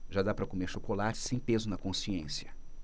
já dá para comer chocolate sem peso na consciência